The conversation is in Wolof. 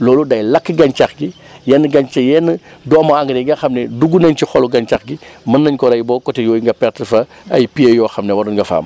loolu day lakk gàncax gi yenn gàncax yenn doomu engrais yi nga xam ne dugg nañ ci xolu gàncax gi mën nañ ko rey ba côté yooyu nga perte fa ay pieds yoo xam ne waroon nga faa am